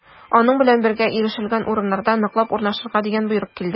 Аның белән бергә ирешелгән урыннарда ныклап урнашырга дигән боерык килде.